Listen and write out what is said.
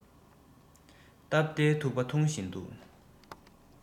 སྟབས བདེའི ཐུག པ འཐུང བཞིན འདུག